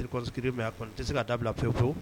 mais a kɔni tɛ se k'a bila pewu-pewu